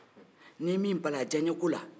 n'i ye min bala diyaye ko la